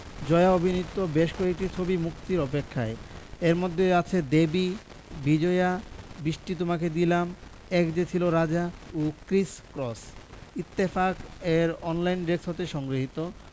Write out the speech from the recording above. জয়া অভিনীত বেশ কয়েকটি ছবি মুক্তির অপেক্ষায় এর মধ্যে আছে দেবী বিজয়া বৃষ্টি তোমাকে দিলাম এক যে ছিল রাজা ও ক্রিস ক্রস ইত্তেফাক এর অনলাইন ডেস্ক হতে সংগৃহীত